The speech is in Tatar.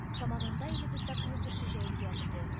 Заманында илебездә клуб эше җәелгән иде,